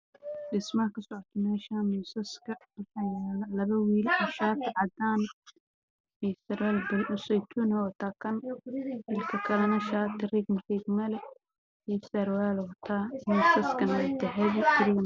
Waa labo nin oo wax dhisayo